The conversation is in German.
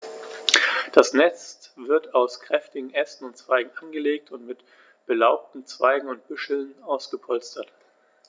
Das Nest wird aus kräftigen Ästen und Zweigen angelegt und mit belaubten Zweigen und Büscheln ausgepolstert.